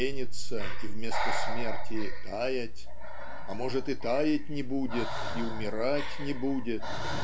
пениться и вместо смерти таять а может и таять не будет и умирать не будет".